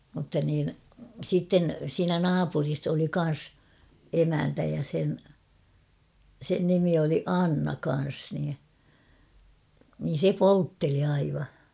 mutta niin sitten siinä naapurissa oli kanssa emäntä ja sen sen nimi oli Anna kanssa niin niin se poltteli aivan